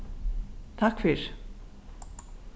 takk fyri